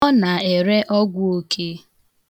Ọ na-ere ọgwụ oke.